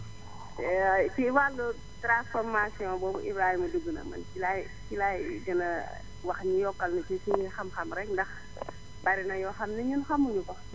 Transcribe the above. si wàllu transformation boobu Ibrahima dugg nag man si laay si laay gën a wax ñu yokkal ñu si suñu xam-xam rekk ndax bari na yoo xam ne ñun xamuñu ko